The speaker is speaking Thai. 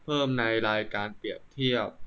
เพิ่มในรายการเปรียบเทียบ